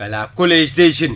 voilà collège des jeunes